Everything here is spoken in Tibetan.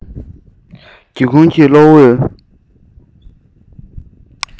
སྒེའུ ཁུང གི གློག འོད